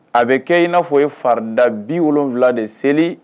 A bɛ kɛ in n'a fɔ ye fada biwula de seli